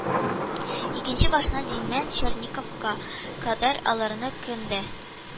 Икенче башына, димнән черниковкага кадәр аларны көн дә